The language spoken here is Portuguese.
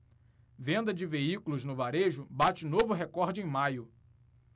venda de veículos no varejo bate novo recorde em maio